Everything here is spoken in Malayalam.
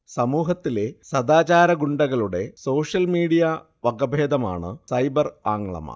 സമൂഹത്തിലെ സദാചാരഗുണ്ടകളുടെ സോഷ്യൽ മീഡിയ വകഭേദമാണു സൈബർ ആങ്ങളമാർ